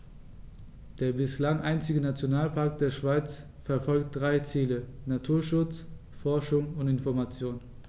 Der bislang einzige Nationalpark der Schweiz verfolgt drei Ziele: Naturschutz, Forschung und Information.